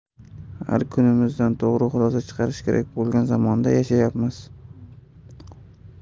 har kunimizdan to'g'ri xulosa chiqarish kerak bo'lgan zamonda yashayapmiz